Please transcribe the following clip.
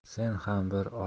sen ham bir